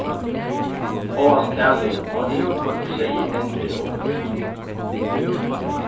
hóast talið á yvirkoyrdum seyði enn er ov høgt